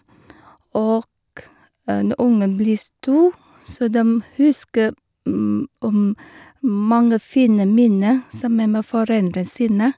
Og når ungene blir stor, så dem husker om mange fine minner sammen med foreldrene sine.